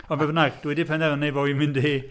Ond beth bynnag, dwi 'di penderfynu bod fi'n mynd i ...